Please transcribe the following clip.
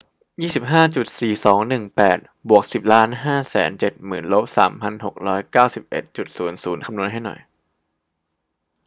ยี่สิบห้าจุดสี่สองหนึ่งแปดบวกสิบล้านห้าแสนเจ็ดหมื่นลบสามพันหกร้อยเก้าสิบเอ็ดจุดศูนย์ศูนย์คำนวณให้หน่อย